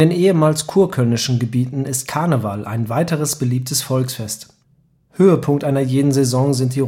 ehemals kurkölnischen Gebieten ist Karneval ein weiteres beliebtes Volksfest. Höhepunkt einer jeden Session sind die Rosenmontagszüge